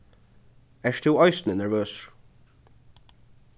ert tú eisini nervøsur